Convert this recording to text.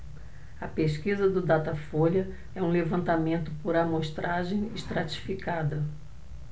a pesquisa do datafolha é um levantamento por amostragem estratificada